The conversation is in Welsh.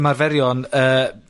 ...ymarferion, yy